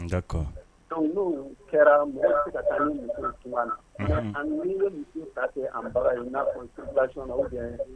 Kɛra ka na ani misi in